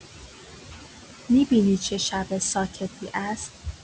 می‌بینی چه شب ساکتی است؟